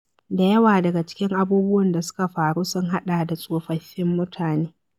Da yawa daga cikin abubuwan da suka faru sun haɗa da tsofaffin mutane.